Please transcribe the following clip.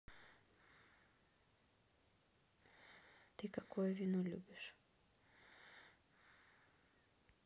ты какое вино любишь